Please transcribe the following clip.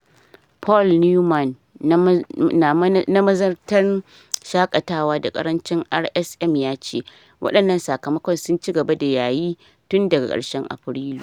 Paul Newman, na manazartan shakatawa da karamcin RSM ya ce: "Wadannan sakamakon sun ci gaba da yayi tun daga karshen Afrilu.